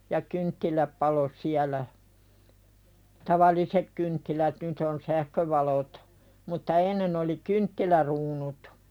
ja kynttilät paloi siellä tavalliset kynttilät nyt on sähkövalot mutta ennen oli kynttiläkruunut